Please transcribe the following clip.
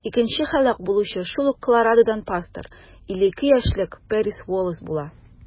Икенче һәлак булучы шул ук Колорадодан пастор - 52 яшьлек Пэрис Уоллэс була.